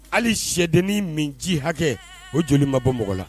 Hali sɛdennin min ji hakɛ o joli ma bɔ mɔgɔ la